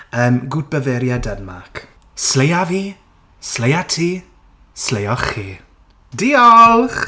Yym, Gut Bavaria Denmark. Sleiaf fi. Sleia ti. Sleioch chi. Diolch!